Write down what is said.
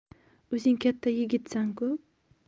o'zing katta yigitsan ku